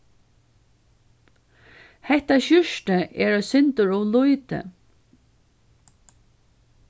hetta skjúrtið er eitt sindur ov lítið